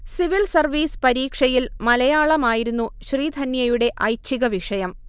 civil service പരീക്ഷയിൽ മലയാളമായിരുന്നു ശ്രീധന്യയുടെ ഐച്ഛീകവിഷയം